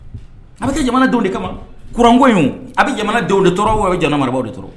A bɛ kɛ jamana denw de kama, courant ko in, a bɛ jamana denw de tɔɔrɔ ou bien a bɛ jamana marabagaw de tɔɔrɔ?